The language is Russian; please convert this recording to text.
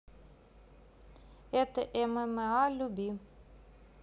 это mma люби